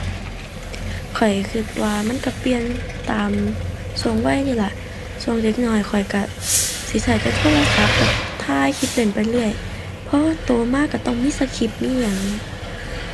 ข้อยคิดว่ามันคิดเปลี่ยนตามคิดวัยเดะล่ะ คิดเด็กน้อยข้อยคิดสิคิดแต่โทรศัพท์แบบถ่ายคลิปเล่นไปเรื่อย พอโตมาคิดต้องมีสคริปต์ มีหยังแหม